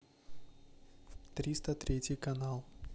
триста третий канал